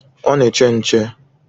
Ọ na-eche nche